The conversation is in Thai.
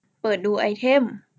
เปิดดูไอเท็ม